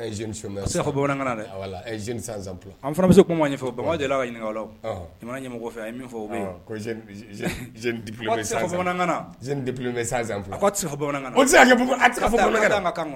Bamanan dɛ san an fana se kuma ɲɛfɛ bama ɲini ɲɛmɔgɔ fɛ fɔ bamananp bɛ sansan bamanan